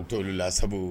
To olu la sabu